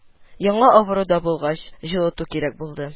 Яңа авыру да булгач, җылыту кирәк булды